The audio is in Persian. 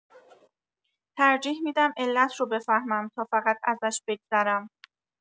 ترجیح می‌دم علت رو بفهمم تا فقط ازش بگذرم